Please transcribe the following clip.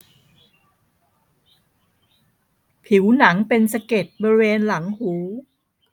ผิวหนังเป็นสะเก็ดบริเวณหลังหู